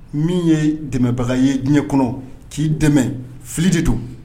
Min ye dɛmɛbaga ye diɲɛ kɔnɔ k'i dɛmɛ fili de don